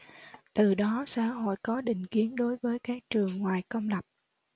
từ đó xã hội có định kiến đối với các trường ngoài công lập